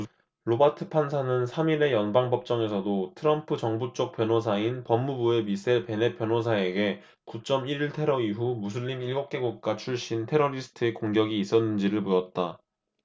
로바트 판사는 삼 일의 연방법정에서도 트럼프 정부쪽 변호사인 법무부의 미셀 베넷 변호사에게 구 쩜 일 일 테러 이후 무슬림 일곱 개국가 출신 테러리스트의 공격이 있었는지를 물었다